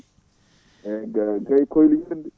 eyyi goram kay *